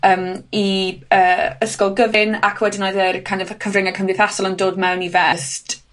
yym i yy ysgol gyfun, ac wedyn oedd yr kind of cyfrynge cymdeithasol yn dod mewn i